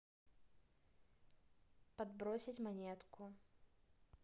подбросить монетку